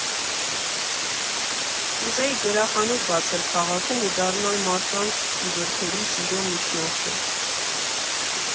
Կուզեի գրախանութ բացել քաղաքում ու դառնալ մարդկանց ու գրքերի սիրո միջնորդը։